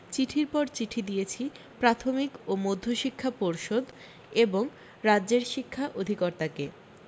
চিঠির পর চিঠি দিয়েছি প্রাথমিক ও মধ্যশিক্ষা পর্ষদ এবং রাজ্যের শিক্ষা অধিকর্তাকে